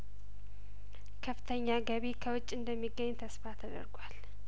ከፍተኛ ገቢ ከውጭ እንደሚገኝ ተስፋ ተደርጓል